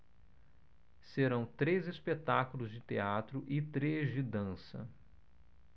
serão três espetáculos de teatro e três de dança